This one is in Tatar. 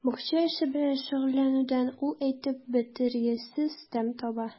Бакча эше белән шөгыльләнүдән ул әйтеп бетергесез тәм таба.